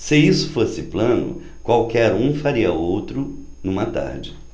se isso fosse plano qualquer um faria outro numa tarde